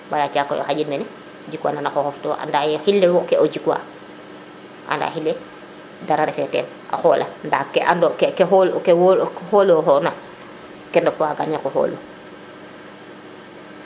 bala caakoy o xaƴin mene jik wanana xoxof to ande xile ke o jikwa anda xile dara refe teen a xola nda ke ando ke xolo ke wolo ke xolo xona kindof a waga no niako xoolu